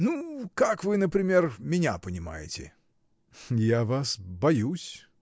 Ну, как вы, например, меня понимаете? — Я вас боюсь.